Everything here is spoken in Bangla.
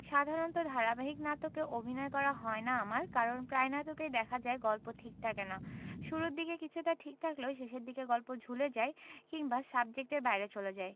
সাধারণত ধারাবাহিক নাটকে অভিনয় করা হয় না আমার কারণ প্রায় নাটকেই দেখা যায় গল্প ঠিক থাকে না শুরুর দিকে কিছুটা ঠিক থাকলেও শেষের দিকে গল্প ঝুলে যায় কিংবা সাবজেক্টের বাইরে চলে যায়